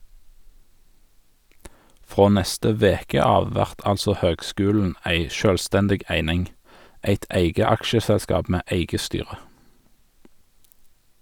Frå neste veke av vert altså høgskulen ei sjølvstendig eining, eit eige aksjeselskap med eige styre.